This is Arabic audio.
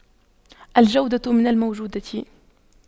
الجودة من الموجودة